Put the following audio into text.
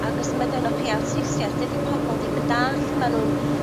Ag os ma' gynnoch chi awtistiaeth dydi pobol ddim yn dallt ma' nw'n